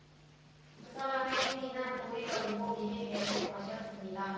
두 사람의 행위는 고의적이고 미리 계획된 것이었습니다